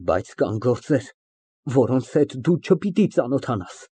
Բայց կան գործեր, որոնց հետ դու չպիտի ծանոթանաս։